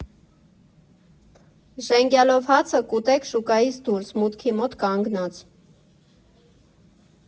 Ժենգյալով հացը կուտեք շուկայից դուրս, մուտքի մոտ կանգնած։